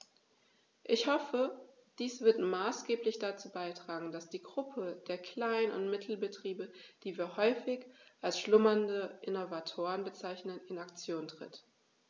Ich hoffe, dies wird maßgeblich dazu beitragen, dass die Gruppe der Klein- und Mittelbetriebe, die wir häufig als "schlummernde Innovatoren" bezeichnen, in Aktion tritt.